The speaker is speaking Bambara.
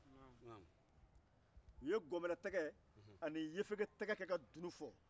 u ye dunun fɛɔ ni yefegetɛgɛ ni gɔnbɛlɛtɛgɛ ye ye